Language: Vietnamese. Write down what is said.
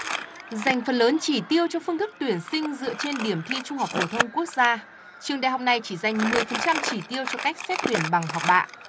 dành phần lớn chỉ tiêu cho phương thức tuyển sinh dựa trên điểm thi trung học phổ thông quốc gia trường đại học này chỉ dành mười phần trăm chỉ tiêu cho cách xét tuyển bằng học bạ